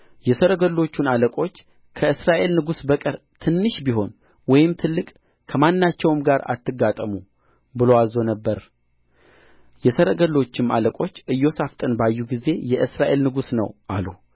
የሰረገሎቹን አለቆች ከእስራኤል ንጉሥ በቀር ትንሽ ቢሆን ወይም ትልቅ ከማናቸውም ጋር አትጋጠሙ ብሎ አዝዞ ነበር የሰረገሎችም አለቆች ኢዮሣፍጥን ባዩ ጊዜ የእስራኤል ንጉሥ ነው አሉ